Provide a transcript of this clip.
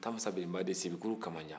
tamansabirinba den sibikurukamanjan